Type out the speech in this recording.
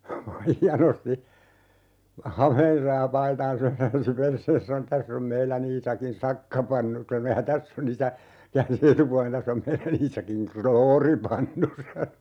Maija nosti hameensa ja paitansa ja käänsi perseensä sanoi tässä on meidän Iisakin sakkapannu sanoi ja tässä on käänsi etupuolen tässä on meidän Iisakin krooripannu sanoi